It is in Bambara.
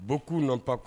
Bɔ k'u nɔ ta